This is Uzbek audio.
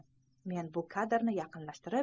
men bu kadrni yaqinlashtirib